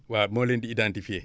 waa moo leen di identifié